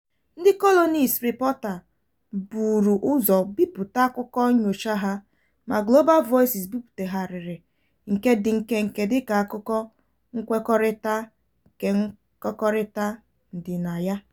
Ndị Colonist Report buru ụzọ bipụta akụkọ nnyocha ha, ma Global Voices bipụtagharịrị nke dị nkenke dịka akụkụ nkwekọrịta nkekọrịta ndịnaya.